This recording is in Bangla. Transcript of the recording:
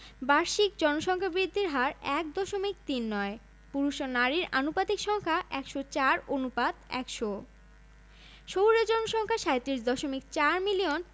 বাংলদেশ পলল গঠিত একটি আর্দ্র অঞ্চল বাংলাদেশের ভূখন্ড মূলত গঙ্গা ব্রহ্মপুত্র মেঘনা নদীগঠিত সুবৃহৎ বদ্বীপের সমন্বয়ে সৃষ্ট বঙ্গীয় বদ্বীপ পৃথিবীর সর্ববৃহৎ বদ্বীপগুলোর একটি